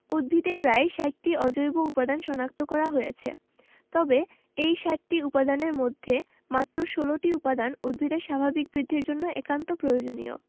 উদ্ভিদে প্রায় ৬০টি অজৈব উপাদান শনাক্ত করা হয়েছে তবে এই ৬০টি উপাদানের মধ্যে মাত্র ১৬টি উপাদান উদ্ভিদের স্বাভাবিক বৃদ্ধির জন্য একান্ত প্রয়োজনীয়